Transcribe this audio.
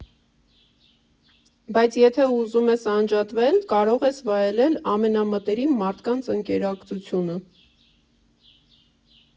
Բայց եթե ուզում ես անջատվել՝ կարող ես վայելել ամենամտերիմ մարդկանց ընկերակցությունը։